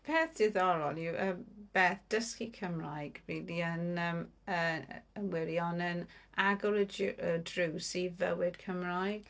Peth diddorol yw yy beth dysgu Cymraeg rili yn yym yy yn wirion agor y drw- y drws i fywyd Cymraeg.